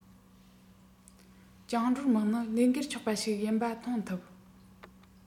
བཅིངས འགྲོལ དམག ནི བློས འགེལ ཆོག པ ཞིག ཡིན པ མཐོང ཐུབ